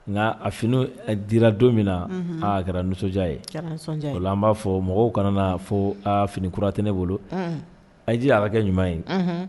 Nka a fini in dira don min na, unhun, a kɛra nisɔndiya ye, o la, an b'a fɔ mɔgɔw kana fɔ fini kura tɛ ne bolo, i jija a kɛ ɲuman ye, unhun.